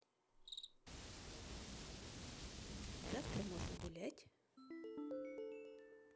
завтра можно гулять